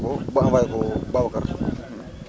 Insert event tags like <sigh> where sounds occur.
scanné woon naa ko ba envoyé ko <noise> Babacar